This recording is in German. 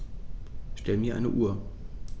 Stell mir eine Uhr.